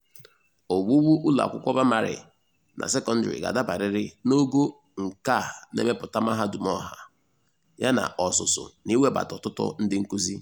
Owuwu ụlọakwụkwọ praịmarị na nke sekọndrị ga-adabarịrị n'ogo nke a na-emepụta mahadum ọha, yana ọzụzụ na iwebata ọtụtụ ndị nkụzi.